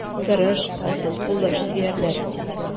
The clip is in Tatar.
Тырыш, алтын куллы эшсөярләр.